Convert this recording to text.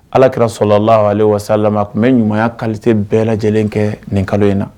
Alakira sɔrɔlalehuma solema a tun bɛ ɲumanya bɛɛ lajɛlen kɛ nin kalo in na.